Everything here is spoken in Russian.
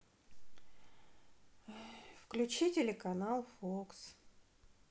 включи телеканал фокс